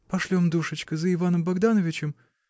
Пошлем, душечка, за Иваном Богдановичем.